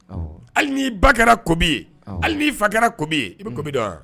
Awɔ, Hali n'i ba kɛra kobi ye, awɔ, hali n'i fa kɛra kobi ye, anhan, i bɛ kobi dɔn wa?